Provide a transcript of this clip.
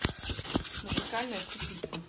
музыкальная тупица